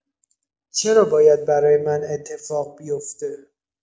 چرا باید برای من اتفاق بی افته؟